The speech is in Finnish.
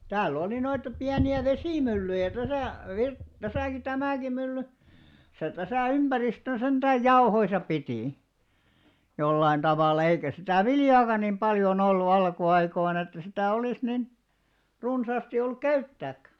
täällä oli noita pieniä vesimyllyjä tässä - tässäkin tämäkin mylly se tässä ympäristön sentään jauhoissa piti jollakin tavalla eikä sitä viljaakaan niin paljon ollut alkuaikoina että sitä olisi niin runsaasti ollut käyttääkään